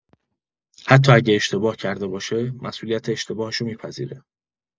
حتی اگه اشتباه کرده باشه، مسئولیت اشتباهشو می‌پذیره.